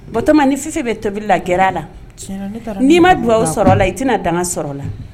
Batɔma, ni Fifi bɛ tobili la, gɛrɛ a la, n'i ma dugawu sɔrɔ a la , i tɛna danka sɔrɔ a la.